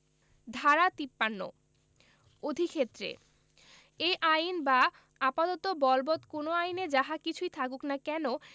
ধারা ৫৩ অধিক্ষেত্রে এই আইন বা আপাততঃ বলবৎ অন্য কোন আইনে যাহা কিছুই থাকুক না কেন